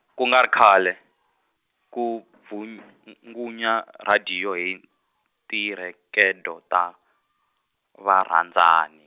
ku nga ri khale, ku bvun- n- -ngunya radiyo hi tirhekodo ta, varhandzani.